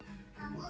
ՔՈ ԸՆԿԵՐ ՌՈԲԻՆԸ։